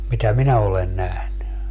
mitä minä olen nähnyt